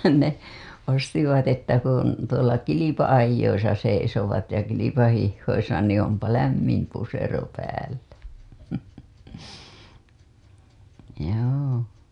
ne ostivat että kun tuolla kilpa-ajoissa seisovat ja kilpahiihdoissa niin - onpa lämmin pusero päällä joo